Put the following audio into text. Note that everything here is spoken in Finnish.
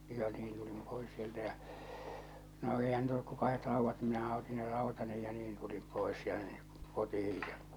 ja niin tulin pois sieltä ja no eihän niitä ollut kuin kahdet raudat niin minähän otin ne rautani ja niin tulin pois tänne kotiin ja